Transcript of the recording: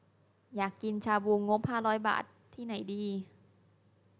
อยากกินชาบูงบห้าร้อยบาทที่ไหนดี